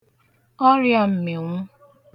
ọrịā m̀mị̀nwụ